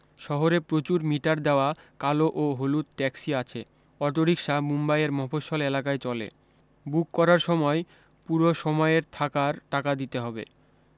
শহরে প্রচুর মিটার দেওয়া কালো ও হলুদ ট্যাক্সি আছে অটো রিক্সা মুম্বাই এর মফস্বল এলেকায় চলে বুক করার সময় পুর সময়ের থাকার টাকা দিতে হবে